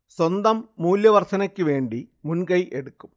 സ്വന്തം മൂല്യ വർധ്നക്ക് വേണ്ടി മുൻ കൈ എടുക്കും